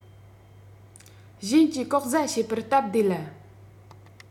གཞན གྱིས ལྐོག ཟ བྱེད པར སྟབས བདེ ལ